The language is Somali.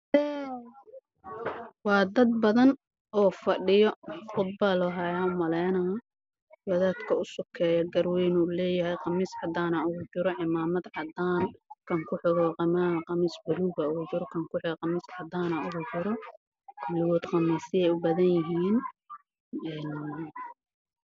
Waa dad badan oo fadhiyo oo loo qudbeenaayo